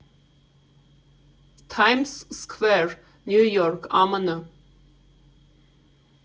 Թայմս Սքվեր, Նյու Յորք, ԱՄՆ։